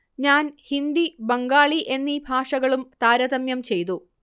ഞാൻ ഹിന്ദി ബംഗാളി എന്നീ ഭാഷകളും താരതമ്യം ചെയ്തു